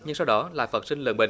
nhưng sau đó lại phát sinh lợn bệnh